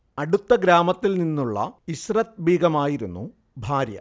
അടുത്ത ഗ്രാമത്തിൽ നിന്നുള്ള ഇശ്റത് ബീഗമായിരുന്നു ഭാര്യ